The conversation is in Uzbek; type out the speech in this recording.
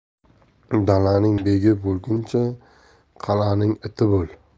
dalaning begi bo'lguncha qal'aning iti bo'l